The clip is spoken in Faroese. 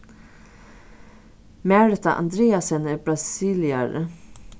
marita andreasen er brasiliari